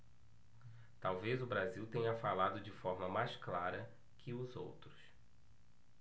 talvez o brasil tenha falado de forma mais clara que os outros